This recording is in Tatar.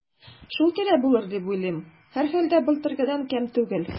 Шул тирә булыр дип уйлыйм, һәрхәлдә, былтыргыдан ким түгел.